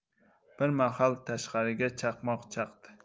bir mahal tashqarida chaqmoq chaqdi